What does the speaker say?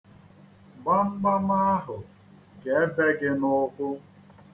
Gbamgbam ahụ ga-ebe gị n'ụkwụ.